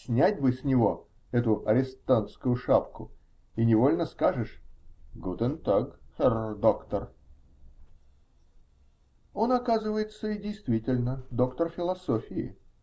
Снять бы с него эту арестантскую шапку, и невольно скажешь: "Гутен таг, херр доктор!" Он, оказывается, и действительно доктор философии.